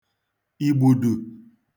ìgbùdù